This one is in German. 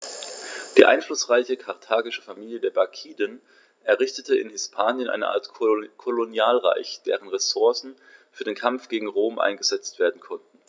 Die einflussreiche karthagische Familie der Barkiden errichtete in Hispanien eine Art Kolonialreich, dessen Ressourcen für den Kampf gegen Rom eingesetzt werden konnten.